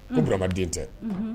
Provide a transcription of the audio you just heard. Ko Burama den tɛ. unhun